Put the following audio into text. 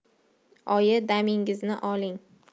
oyi damingizni oling